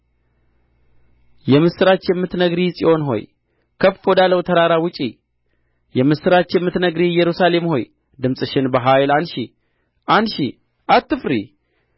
የምስራች የምትነግሪ ጽዮን ሆይ ከፍ ወዳለው ተራራ ውጪ የምስራች የምትነግሪ ኢየሩሳሌም ሆይ ድምፅሽን በኃይል አንሺ አንሺ አትፍሪ